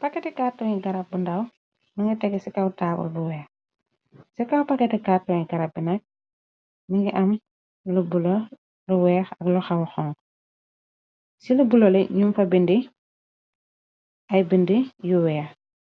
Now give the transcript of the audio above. Paketi kàrton garab bu ndaw më nga teg ci kaw taawal bu weex ci kaw pakati kàrton garab binak ni ngi am lu bulo lu weex ak lu xaw xonku ci bule ñu a bindi ay bindi yu weex